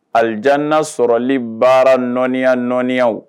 Alidna sɔrɔli baara nɔya n nɔya